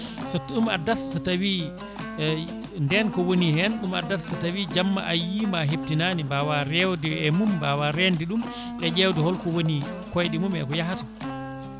so ɗum addata so tawi ndenka woni hen ɗum addata so tawi jamma a yii ma heptinani mbawa rewde e mum mbawa rende ɗum e ƴewde holko woni koyɗe mum e ko yaahata